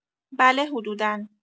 بله حدودا